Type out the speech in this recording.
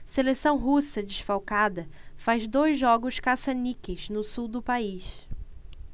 seleção russa desfalcada faz dois jogos caça-níqueis no sul do país